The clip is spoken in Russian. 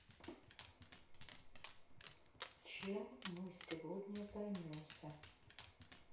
чем мы сегодня займемся